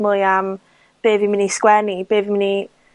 mwy am be fi myn' i sgwennu be fi myn' i...